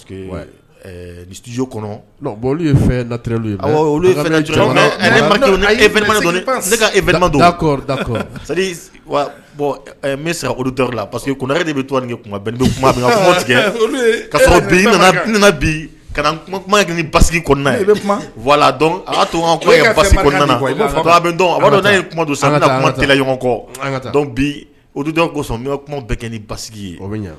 Olu e sara parce que de bɛ todo bi kuma baa ye kuma don san kumala ɲɔgɔn kɔ bi o kosɔ bɛɛ kɛ ni basi ye